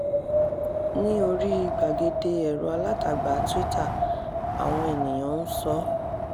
Ní oríi gbàgede ẹ̀rọ-alátagbà Twitter, àwọn ènìyàn ń sọ.